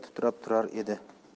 titrab turar edi